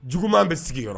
Juguman bɛ sigiyɔrɔ